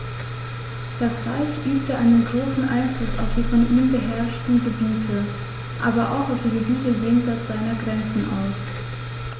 Das Reich übte einen großen Einfluss auf die von ihm beherrschten Gebiete, aber auch auf die Gebiete jenseits seiner Grenzen aus.